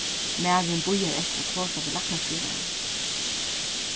marin bíðar eftir at tosa við læknaskrivaran